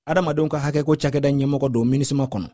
hadamadenw ka hakɛko cakɛda ɲɛmɔgɔ don minusima kɔnɔ